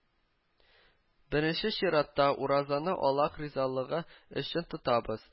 Беренче чиратта, уразаны аллах ризалыгы өчен тотабыз